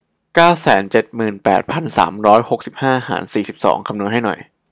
เก้าแสนเจ็ดหมื่นแปดพันสามร้อยหกสิบห้าหารสี่สิบสองคำนวณให้หน่อย